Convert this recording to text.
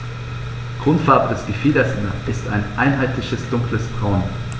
Grundfarbe des Gefieders ist ein einheitliches dunkles Braun.